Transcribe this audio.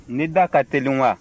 ne da ka teli wa